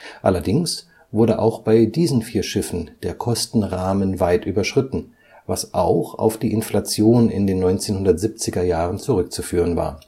Allerdings wurde auch bei diesen vier Schiffen der Kostenrahmen weit überschritten, was auch auf die Inflation in den 1970er Jahren zurückzuführen war